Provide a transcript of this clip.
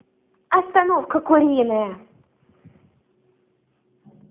остановка куриная